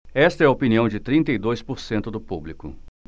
esta é a opinião de trinta e dois por cento do público